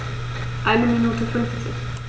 Eine Minute 50